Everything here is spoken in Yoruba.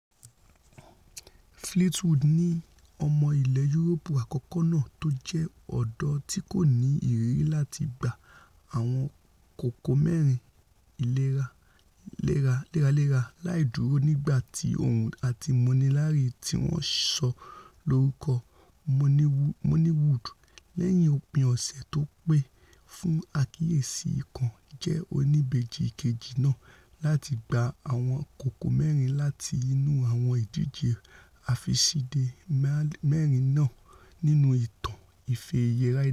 Fleetwood ni ọmọ ilẹ̀ Yuroopu àkọ́kọ́ náà tójẹ́ ọ̀dọ́ tíkòní ìrírí láti gba àwọn kókó mẹ́rin léra-léra láìdúró nígbà tí òun ati Molinari tíwọ́n sọ lórúkọ ''Molliwood'' lẹ́yìn òpin-ọ̀sẹ̀ tópè fún àkíyèsí kan jẹ́ oníbejì ìkejì náà láti gba àwọn kókó mẹ́rin láti inú àwọn ìdíje àfisíde mẹ́rin nínú ìtan Ife-ẹ̀yẹ Ryder.